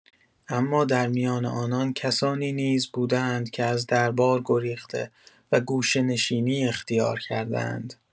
اما در میان آنان کسانی نیز بوده‌اند که از دربار گریخته و گوشه‌نشینی اختیار کرده‌اند.